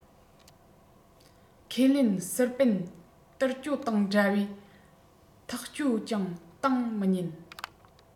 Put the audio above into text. ཁས ལེན སུར པན ཏིལ སྐྱོ དང འདྲ བས ཐག བཅད ཅིང བཏང མི ཉན